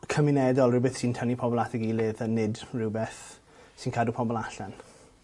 cymunedol rwbeth sy'n tynnu pobol at 'i gilydd a nid rhywbeth sy'n cadw pobol allan.